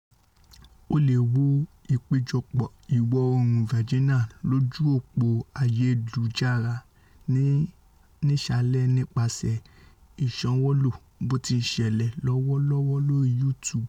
Ó leè wo ìpéjọpọ̀ Ìwọ-oòrùn Virginia lójú-òpó ayelujara nísàlẹ̀ nípaṣẹ̀ ìsànwọlé bótíńṣẹlẹ̀ lọ́wọ́lọ́wọ́ lórí YouTube.